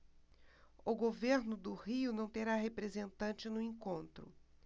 o governo do rio não terá representante no encontro